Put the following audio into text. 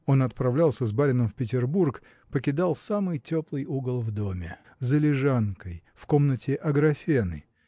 Он отправлялся с барином в Петербург покидал самый теплый угол в дому за лежанкой в комнате Аграфены